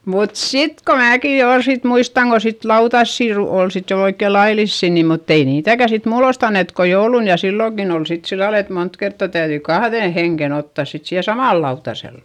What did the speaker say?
mutta sitten kun minäkin jo oli sitten muistan kun sitten lautasia - oli sitten jo oikein laillisia niin mutta ei niitäkään sitten muulloin annettu kuin jouluna ja silloinkin oli sitten sillä lailla että monta kertaa täytyi kahden hengen ottaa sitten siihen samalle lautaselle